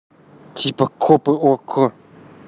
типа копы okko